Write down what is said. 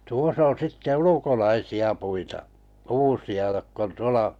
tuossa on sitten ulkolaisia puita kuusia jotka on tuolla